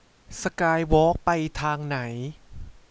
สกายวอล์คไปทางไหน